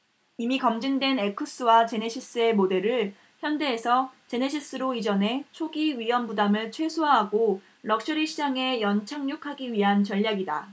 이미 검증된 에쿠스와 제네시스의 모델을 현대에서 제네시스로 이전해 초기 위험부담을 최소화하고 럭셔리 시장에 연착륙하기 위한 전략이다